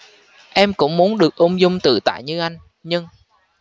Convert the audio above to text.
em cũng muốn được ung dung tự tại như anh nhưng